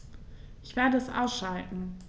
Ich werde es ausschalten